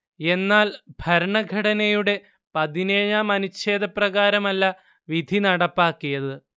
എന്നാൽ ഭരണഘടനയുടെ പതിനേഴാം അനുഛേദപ്രകാരമല്ല വിധി നടപ്പാക്കിയത്